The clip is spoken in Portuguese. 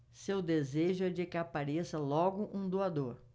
seu desejo é de que apareça logo um doador